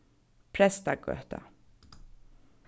prestagøta